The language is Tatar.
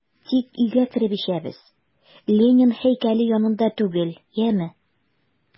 Тик өйгә кереп эчәбез, Ленин һәйкәле янында түгел, яме!